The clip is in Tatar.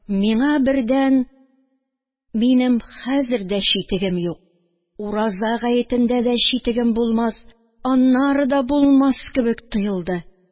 Миңа, бердән, минем хәзер дә читегем юк, ураза гаетендә дә читегем булмас, аннары да булмас кебек тоелды